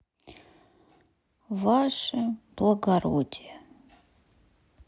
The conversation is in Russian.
ваше благородие